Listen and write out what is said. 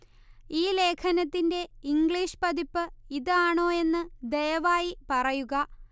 ഈ ലേഖനത്തിന്റെ ഇംഗ്ലീഷ് പതിപ്പ് ഇത് ആണോ എന്ന് ദയവായി പറയുക